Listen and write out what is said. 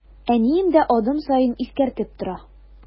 Әнием дә адым саен искәртеп тора.